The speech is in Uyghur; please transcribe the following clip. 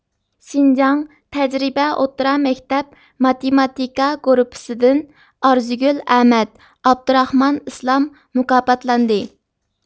شىنجاڭ تەجرىبە ئوتتۇرا مەكتەپ ماتېماتىكا گۇرۇپپىسىدىن ئارزۇگۈل ئەمەت ئابدۇراخمان ئىسلام مۇكاپاتلاندى